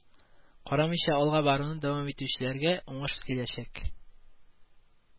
Карамыйча алга баруны дәвам итүчеләргә уңыш киләчәк